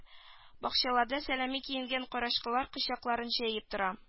Бакчаларда сәләмә киенгән карачкылар кочакларын җәеп тора